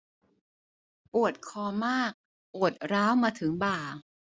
ปวดคอมากปวดร้าวมาถึงบ่า